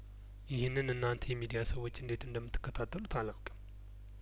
ይህንን እናንተ የሚዲያ ሰዎች እንዴት እንደማትከታተሉት አላውቅም